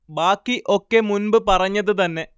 ബാക്കി ഒക്കെ മുൻപ് പറഞ്ഞത് തന്നെ